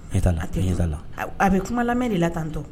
N tɛla a bɛ kumalamɛ de la tantɔ